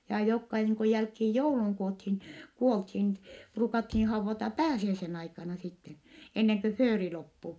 ja jotka niin kuin jälkeen joulun - kuoltiin ruukattiin haudata pääsiäisen aikana sitten ennen kuin fööri loppui